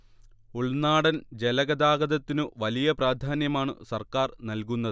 ഉൾനാടൻ ജലഗതാഗതത്തിനു വലിയ പ്രാധാന്യമാണു സർക്കാർ നൽകുന്നത്